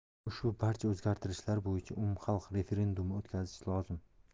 ushbu barcha o'zgartishlar bo'yicha umumxalq referendumi o'tkazish lozim